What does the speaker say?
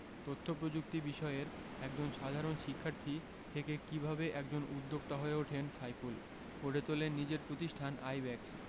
তথ্যপ্রযুক্তি বিষয়ের একজন সাধারণ শিক্ষার্থী থেকে কীভাবে একজন উদ্যোক্তা হয়ে ওঠেন সাইফুল গড়ে তোলেন নিজের প্রতিষ্ঠান আইব্যাকস